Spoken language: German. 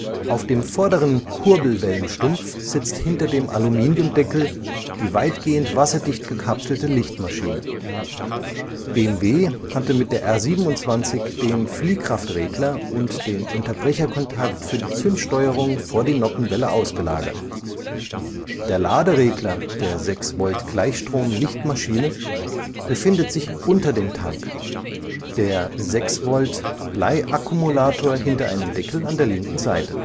Auf dem vorderen Kurbelwellenstumpf sitzt hinter dem Aluminiumdeckel die weitgehend wasserdicht gekapselte Lichtmaschine. BMW hatte mit der R 27 den Fliehkraftregler und den Unterbrecherkontakt für die Zündsteuerung vor die Nockenwelle ausgelagert. Der Laderegler der 6-Volt-Gleichstrom-Lichtmaschine befindet sich unter dem Tank, der 6-Volt-Bleiakkumulator hinter einem Deckel an der linken Seite